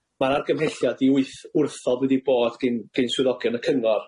ma' 'na argymhelliad i wyth wrthod wedi bod gin- gin swyddogion y cyngor